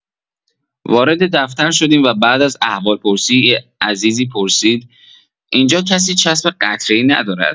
وارد دفتر شدیم و بعد از احوال‌پرسی عزیزی پرسید: اینجا کسی چسب قطره‌ای ندارد؟!